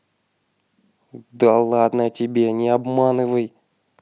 да ладно тебе не обманывай